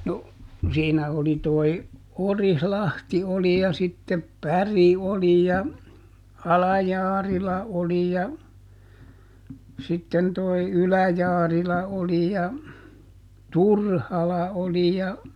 no siinä oli tuo Orilahti oli ja sitten Päri oli ja Ala-Jaarila oli ja sitten tuo Ylä-Jaarila oli ja Turhala oli ja